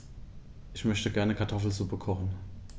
Ich möchte gerne Kartoffelsuppe kochen.